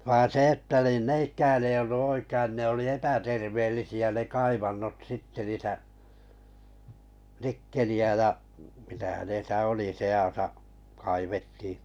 vaan se että niin ne eikähän ei ollut oikein ne oli epäterveellisiä ne kaivannot sitten niitä nikkeliä ja mitä hänessä oli seassa kaivettiin